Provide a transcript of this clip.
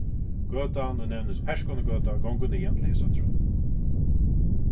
gøtan ið nevnist perskonugøta gongur niðan til hesa trøð